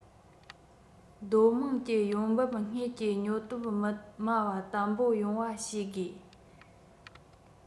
སྡོད དམངས ཀྱི ཡོང འབབ དངོས ཀྱི ཉོ སྟོབས མི དམའ བ བརྟན པོ ཡོང བ བྱེད དགོས